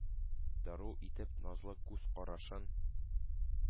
Дару итеп назлы күз карашын,